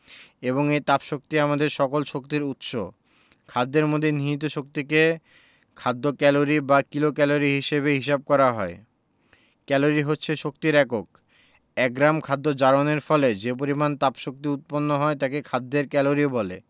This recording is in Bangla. এবং এই তাপশক্তি আমাদের সকল শক্তির উৎস খাদ্যের মধ্যে নিহিত শক্তিকে খাদ্য ক্যালরি বা কিলোক্যালরি হিসেবে হিসাব করা হয় ক্যালরি হচ্ছে শক্তির একক এক গ্রাম খাদ্য জারণের ফলে যে পরিমাণ তাপশক্তি উৎপন্ন হয় তাকে খাদ্যের ক্যালরি বলে